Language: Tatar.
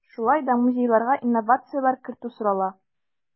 Шулай да музейларга инновацияләр кертү сорала.